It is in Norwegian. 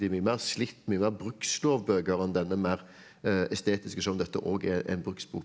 de er mye mer slitt, mye mer brukslovbøker enn denne mer estetiske selv om dette òg er en bruksbok.